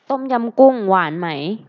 ต้มยำกุ้งหวานไหม